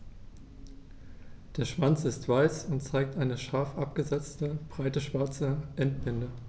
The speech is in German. Der Schwanz ist weiß und zeigt eine scharf abgesetzte, breite schwarze Endbinde.